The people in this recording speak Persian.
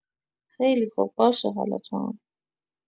خیلی خب باشه حالا توام!